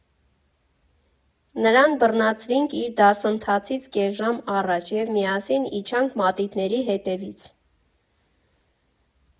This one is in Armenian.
Նրան բռնացրինք իր դասընթացից կես ժամ առաջ և միասին իջանք մատիտների հետևից։